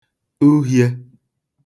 uhiē